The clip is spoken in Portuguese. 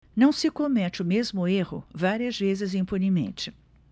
não se comete o mesmo erro várias vezes impunemente